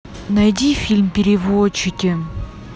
найди фильм переводчики